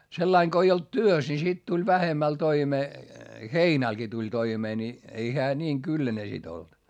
sellainen kun ei ollut työssä niin sitten tuli vähemmällä toimeen heinälläkin tuli toimeen niin ei hän niin kylläinen sitten ollut